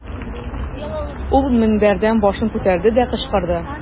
Ул мендәрдән башын күтәрде дә, кычкырды.